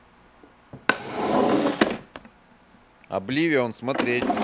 обливион смотреть